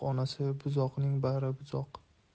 onasi buzuqning bari buzuq